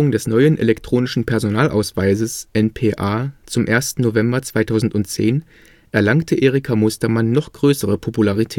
des neuen elektronischen Personalausweises (nPA) zum 1. November 2010 erlangte Erika Mustermann noch größere Popularität